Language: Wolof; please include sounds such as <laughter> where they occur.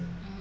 <hesitation> <hesitation>